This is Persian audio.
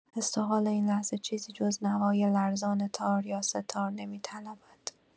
حس و حال این لحظه چیزی جز نوای لرزان تار یا سه‌تار نمی‌طلبد.